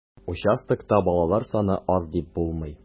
Участокта балалар саны аз дип булмый.